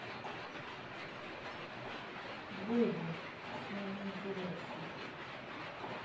буду с нами интересно